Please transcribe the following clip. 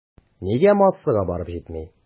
Нигә массага барып җитми?